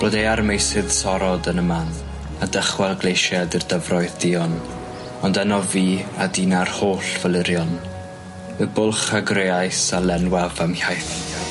Blodeua'r meysydd sorod yn y man, a dychwel gleisiaid i'r dyfroedd duon, ond yno fu aduna'r holl falurion, y bwlch a greais a lenwaf a'm hiaith.